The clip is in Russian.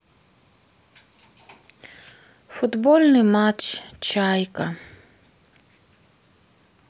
футбольный матч чайка